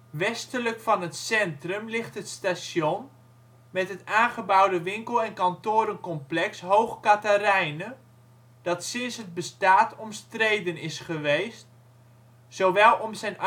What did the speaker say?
Westelijk van het centrum ligt het station met het aangebouwde winkel - en kantorencomplex Hoog Catharijne, dat sinds het bestaat omstreden is geweest, zowel om zijn